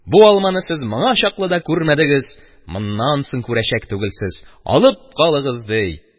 «бу алманы сез моңа чаклы күрмәдегез, моннан соң күрәчәк түгелсез, алып калыгыз», – ди.